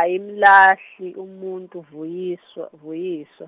ayimlahli umuntu Vuyiswa Vuyiswa.